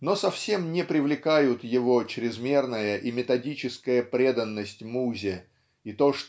но совсем не привлекают его чрезмерная и методическая преданность музе и то